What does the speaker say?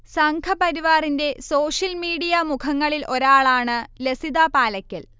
സംഘപരിവാറിന്റെ social media മുഖങ്ങളിൽ ഒരാളാണ് ലസിത പാലയ്ക്കൽ